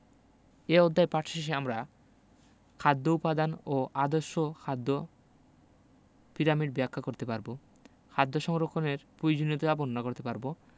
এ অধ্যায় পাঠ শেষে আমরা খাদ্য উপাদান ও আদর্শ খাদ্য পিরামিড ব্যাখ্যা করতে পারব খাদ্য সংরক্ষণের প্রয়োজনীয়তা বর্ণনা করতে পারব